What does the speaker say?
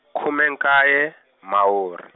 khume nkaye, Mhawuri.